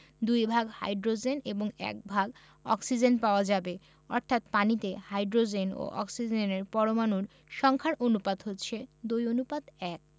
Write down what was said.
দুই ভাগ হাইড্রোজেন এবং এক ভাগ অক্সিজেন পাওয়া যাবে অর্থাৎ পানিতে হাইড্রোজেন ও অক্সিজেনের পরমাণুর সংখ্যার অনুপাত হচ্ছে ২ অনুপাত ১